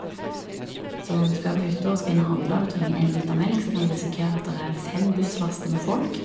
Så hvis du er på hytta og skal inn og handle, og du trenger én liter melk, så kan du risikere at der er fem busslaster med folk.